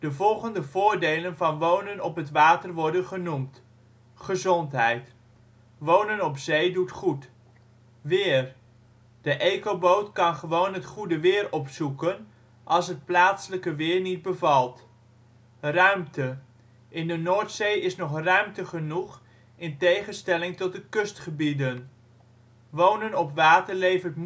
volgende voordelen van wonen op het water worden genoemd: Gezondheid: wonen op zee doet goed. Weer: de Ecoboot kan gewoon het goede weer opzoeken als het plaatselijke weer niet bevalt. Ruimte: in de Noordzee is nog ruimte genoeg in tegenstelling tot de kustgebieden. Wonen op water levert